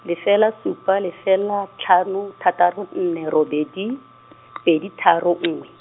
lefela supa lefela tlhano thataro nne robedi , pedi tharo nngwe.